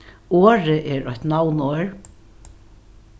orðið er eitt navnorð